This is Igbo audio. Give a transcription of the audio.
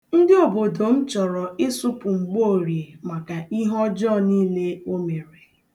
Ndị obodo m chọrọ ịsụpụ Mgboorie maka ihe ọjọọ niile o mere.